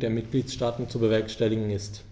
der Mitgliedstaaten zu bewerkstelligen ist.